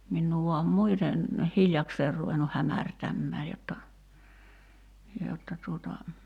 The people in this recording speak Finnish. minua vain muuten hiljakseen ruvennut hämärtämään jotta jotta tuota